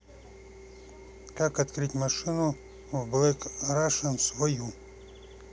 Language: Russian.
как открыть машину в black russian свою